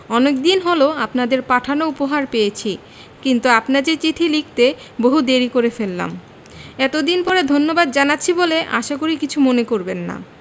অনেকদিন হল আপনাদের পাঠানো উপহার পেয়েছি কিন্তু আপনাদের চিঠি লিখতে বহু দেরী করে ফেললাম এতদিন পরে ধন্যবাদ জানাচ্ছি বলে আশা করি কিছু মনে করবেন না